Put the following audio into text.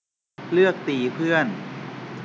เลือกตีเพื่อน